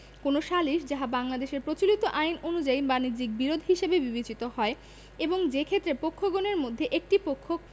কোন সালিস যাহা বাংলাদেশের প্রচলিত আইন অনুযায়ী বাণিজ্যিক বিরোধ হিসাবে বিবেচিত হয় এবং যেক্ষেত্রে পক্ষগণের মধ্যে কোন একটি পক্ষ